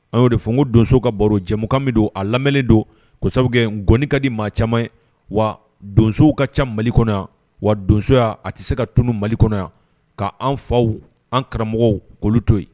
A y'o de fɔ ko donso ka baro jɛmukanmi don a lamɛnlen don ko sabu gɔni ka di maa caman ye wa donsow ka ca mali kɔnɔ wa donso y'a a tɛ se ka tununu mali kɔnɔ k' an faw an karamɔgɔ' to yen